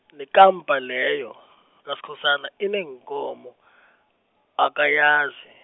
nekampa leyo, kaSkhosana eneenkomo , akayazi.